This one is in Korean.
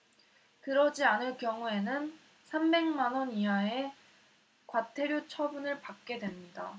그러지 않을 경우에는 삼백 만 원 이하의 과태료 처분을 받게 됩니다